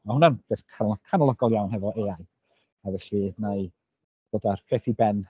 Ma' hwnna'n beth calonogol iawn efo AI a felly wna i ddod â'r peth i ben.